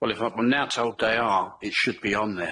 Well if I've been now told they are, it should be on there.